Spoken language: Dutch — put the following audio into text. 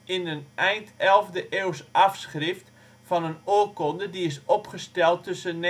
in een eind 11e eeuws afschrift van een oorkonde, die is opgesteld tussen